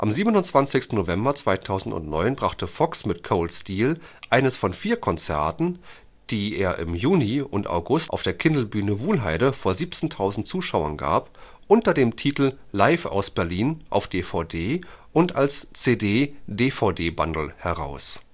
27. November 2009 brachte Fox mit Cold Steel eines von vier Konzerten, die er im Juni und August auf der Kindl-Bühne Wuhlheide vor 17.000 Zuschauern gab, unter dem Titel Live aus Berlin auf DVD und als CD-DVD-Bundle heraus